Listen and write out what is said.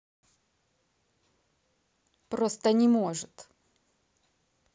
просто не может